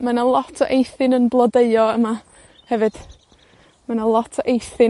ma' 'na lot o Eithin yn blodeuo yma, hefyd. Ma' 'na lot o Eithin